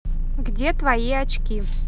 где твои очки